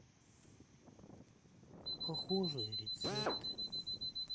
похожие рецепты